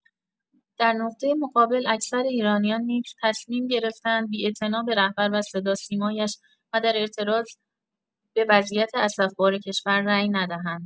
در نقطه مقابل اکثر ایرانیان نیز تصمیم گرفته‌اند بی‌اعتنا به رهبر و صداوسیمایش و در اعتراض به وضعیت اسف‌بار کشور، رای ندهند.